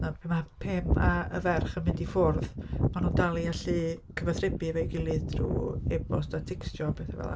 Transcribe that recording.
Mae'r pem a'r ferch yn mynd i ffwrdd maen nhw'n dal i allu cyfathrebu efo'i gilydd drwy e-bost a tecsio a pethau fel 'na.